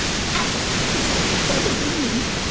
à chị sẽ phẫu thật thẩm mĩ